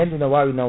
hendu na wawi nawde